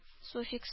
Суффикс